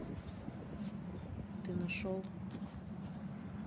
ты нашел